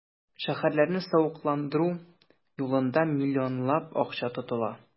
Шәһәрләрне савыкландыру юлында миллионлап акча тотыла.